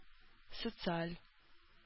Социаль